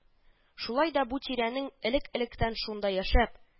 Шулай да бу тирәнең, элек-электән шунда яшәп